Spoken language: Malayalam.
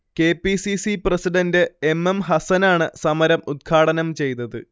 K. P. C. C president M M ഹസനാണ് സമരം ഉദ്ഘാടനം ചെയ്തത്